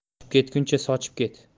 qochib ketguncha sochib ket